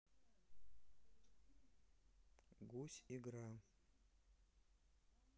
гусь игра